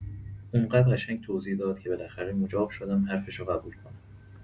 اونقد قشنگ توضیح داد که بالاخره مجاب شدم حرفشو قبول کنم.